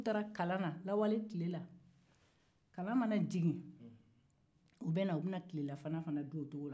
kalan mana jigin u bɛ na tilelafana du o cogo la fana